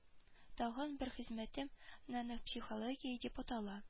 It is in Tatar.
Тагын бер хезмәтем нанопсихология дип атала